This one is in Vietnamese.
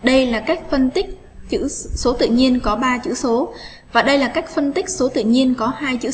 đây là cách phân tích chữ số tự nhiên có chữ số và đây là cách phân tích số tự nhiên có hai chữ